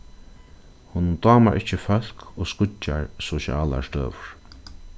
honum dámar ikki fólk og skýggjar sosialar støður